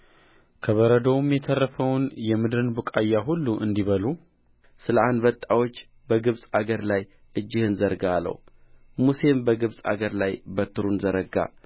ከበረዶውም የተረፈውን የምድርን ቡቃያ ሁሉ እንዲበሉ ስለ አንበጣዎች በግብፅ አገር ላይ እጅህን ዘርጋ አለው ሙሴም በግብፅ አገር ላይ በትሩን ዘረጋ